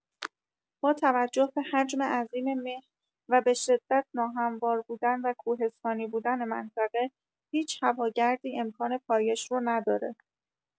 با توجه به حجم عظیم مه و بشدت ناهموار بودن و کوهستانی بودن منطقه هیچ هواگردی امکان پایش رو نداره